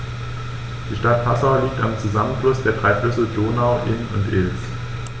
Die Stadt Passau liegt am Zusammenfluss der drei Flüsse Donau, Inn und Ilz.